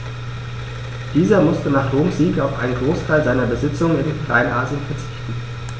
Dieser musste nach Roms Sieg auf einen Großteil seiner Besitzungen in Kleinasien verzichten.